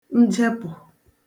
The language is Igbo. njepụ̀